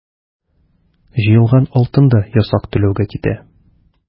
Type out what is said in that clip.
Җыелган алтын да ясак түләүгә китә.